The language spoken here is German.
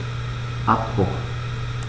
Abbruch.